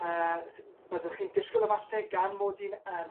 yy s- byddwch chi'n dishgwl efalle gan mod i'n yy...